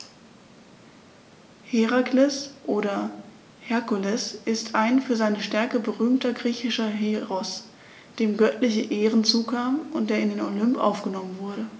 Herakles oder Herkules ist ein für seine Stärke berühmter griechischer Heros, dem göttliche Ehren zukamen und der in den Olymp aufgenommen wurde.